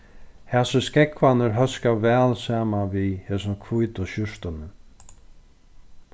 hasir skógvarnir hóska væl saman við hesum hvítu skjúrtunum